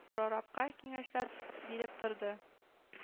Прорабка киңәшләр биреп торды